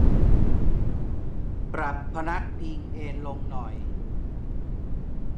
ปรับพนักพิงเอนลงหน่อย